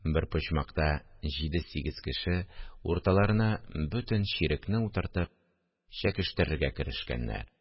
Бер почмакта җиде-сигез кеше, урталарына бөтен чирекне утыртып, чәкештерергә керешкәннәр